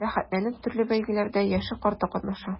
Рәхәтләнеп төрле бәйгеләрдә яше-карты катнаша.